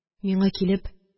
Миңа килеп: –